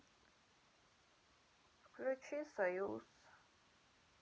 включи союз